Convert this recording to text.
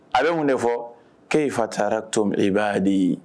A be mun de fɔ